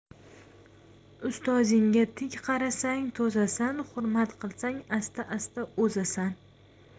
ustozingga tik qarasang to'zasan hurmat qilsang asta asta o'zasan